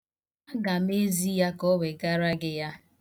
A ga m ezi ya ka o wegara gị ya.